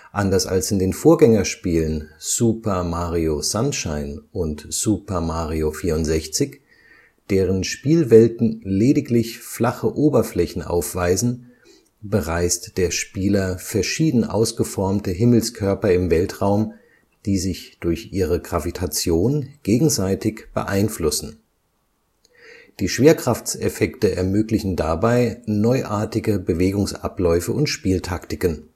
Anders als in den Vorgängerspielen Super Mario Sunshine und Super Mario 64, deren Spielwelten lediglich flache Oberflächen aufweisen, bereist der Spieler verschieden ausgeformte Himmelskörper im Weltraum, die sich durch ihre Gravitation gegenseitig beeinflussen. Die Schwerkraftseffekte ermöglichen dabei neuartige Bewegungsabläufe und Spieltaktiken